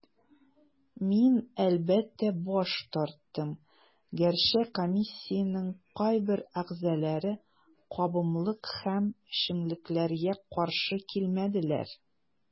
Мин, әлбәттә, баш тарттым, гәрчә комиссиянең кайбер әгъзаләре кабымлык һәм эчемлекләргә каршы килмәделәр.